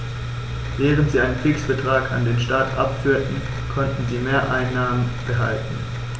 Während sie einen Fixbetrag an den Staat abführten, konnten sie Mehreinnahmen behalten.